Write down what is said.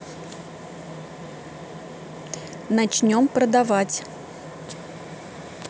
начнем продавать